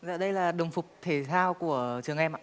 dạ đây là đồng phục thể thao của trường em ạ